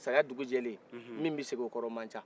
saya dugujɛlen min bɛ segin o kɔrɔ o ma ca